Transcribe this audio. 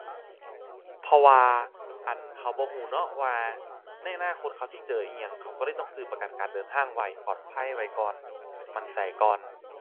เพราะว่า อั่น เขาบ่รู้เนาะว่าในอนาคตเขาสิเจออิหยัง เขารู้เลยต้องซื้อประกันการเดินทางไว้ ปลอดภัยไว้ก่อน มั่นใจก่อน